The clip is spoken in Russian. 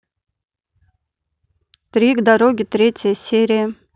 три дороги третья серия